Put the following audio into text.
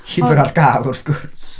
Llyfr ar gael wrth gwrs.